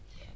waaw